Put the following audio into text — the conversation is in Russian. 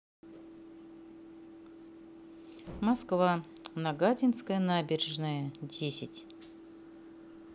москва нагатинская набережная десять